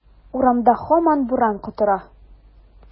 Урамда һаман буран котыра.